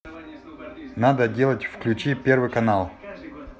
надо делать включи первый канал